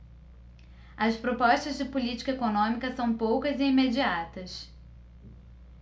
as propostas de política econômica são poucas e imediatas